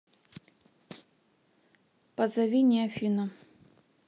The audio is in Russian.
позови не афину